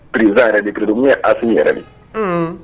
Pereriza yɛrɛ de pereurdkun ye as yɛrɛ min